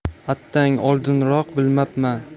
attang oldinroq bilmabman